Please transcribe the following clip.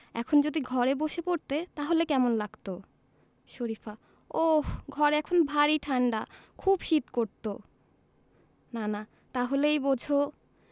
এখন যদি ঘরে বসে পড়তে তাহলে কেমন লাগত শরিফা ওহ ঘরে এখন ভারি ঠাণ্ডা খুব শীত করত নানা তা হলেই বোঝ